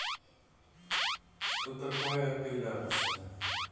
что такое апелляция